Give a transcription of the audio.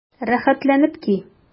Рәхәтләнеп ки!